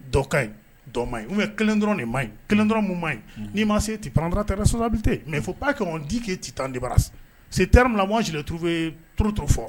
Dɔ ,k a ɲi , dɔ ma ɲi, ou bien 1 dɔrɔn de ma ɲi, 1 dɔrɔn min ma ɲi, n'i ma se tu prendras tes responsabilité, mais il ne faut pas qu'on diit que t'en débarrasse . ce terme la, moi je l'ai trouvé trop , trop fɔ'a ka dke ci tan de bara sisan se min makan sunjata tuu bɛ trop trop fort.